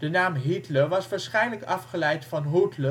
naam ' Hitler ' was waarschijnlijk afgeleid van